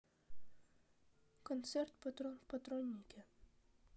концерт патрон в патроннике